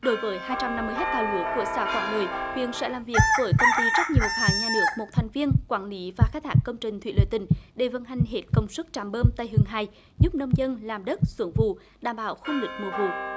đối với hai trăm năm mươi héc ta lúa của xã quảng lợi huyện sẽ làm việc với công ty trách nhiệm hữu hạn nhà nước một thành viên quản lý và khai thác công trình thủy lợi tỉnh để vận hành hết công suất trạm bơm tại hưng hải giúp nông dân làm đất xưởng vụ đảm bảo khung lịch mùa vụ